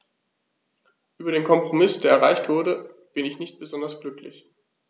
Über den Kompromiss, der erreicht wurde, bin ich nicht besonders glücklich.